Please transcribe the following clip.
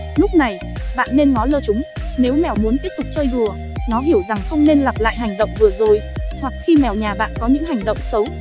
lúc này bạn nên ngó lơ chúng nếu mèo muốn tiếp tục chơi đùa nó hiểu rằng không nên lặp lại hành động vừa rồi hoặc khi mèo nhà bạn có những hành động xấu